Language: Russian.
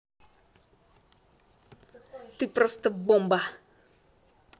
ты просто бомба